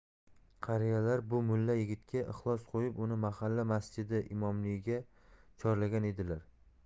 qariyalar bu mulla yigitga ixlos qo'yib uni mahalla masjidi imomligiga chorlagan edilar